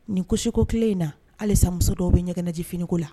Nin kusi ko kile in na , halisa muso dɔw bɛ ɲɛkɛnɛji finiko la.